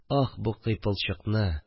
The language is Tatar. Аһ, бу кыйпылчыкны